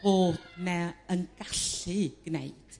o m'e yn gallu g'neud